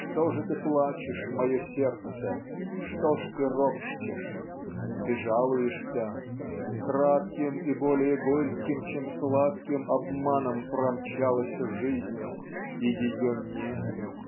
Что же ты плачешь, мое сердце, что ж ты ропщешь? Ты жалуешься "Кратким и более горьким чем сладким обманом промчалась жизнь и ее нет".